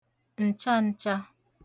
ǹcha ǹcha